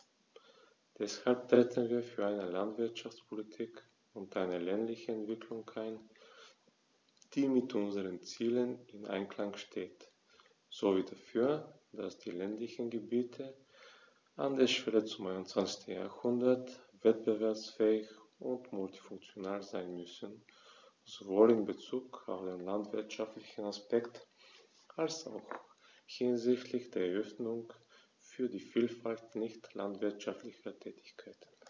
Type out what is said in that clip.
Deshalb treten wir für eine Landwirtschaftspolitik und eine ländliche Entwicklung ein, die mit unseren Zielen im Einklang steht, sowie dafür, dass die ländlichen Gebiete an der Schwelle zum 21. Jahrhundert wettbewerbsfähig und multifunktional sein müssen, sowohl in bezug auf den landwirtschaftlichen Aspekt als auch hinsichtlich der Öffnung für die Vielfalt nicht landwirtschaftlicher Tätigkeiten.